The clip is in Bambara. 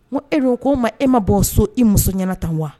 N Ko e de k'o n ma e ma bɔ so i muso ɲɛna tan wa?